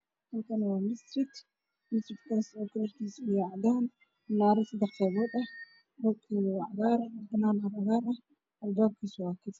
Halkan waa masjid darbigiisa waa cagaar xulay saddex munaasabad albaabkiisana waa haddaan